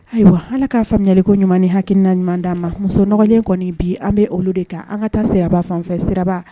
Ayiwa hali k'a faamuyaliko ɲuman hakilina ɲuman di ma musoɔgɔlen kɔni bi an bɛ olu de kan an ka taa seba fan sira